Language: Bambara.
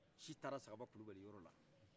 ci taara sakaba kulubali yɔrɔla